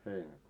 heinäkuu